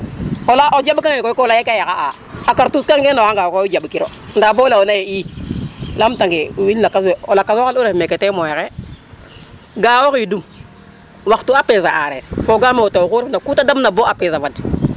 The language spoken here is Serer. kona o jeɓ kange koy ko ley ka ye xa a a cartouche kay a ngenoxa nga njaɓ kiro nda bo leyona ye i lam tangi wiin lakas we o laks war u ref mene temoin xaye ga o xidum waxtu a pesa areer fogame o tewo xu ref na ku te dam ina bo a pesa fad